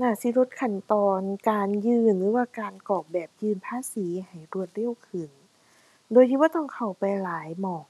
น่าสิลดขั้นตอนการยื่นหรือว่าการกรอกแบบยื่นภาษีให้รวดเร็วขึ้น โดยที่บ่ต้องเข้าไปหลายหม้อง